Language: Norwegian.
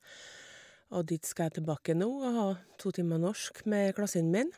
Og dit skal jeg tilbake nå og ha to timer norsk med klassen min.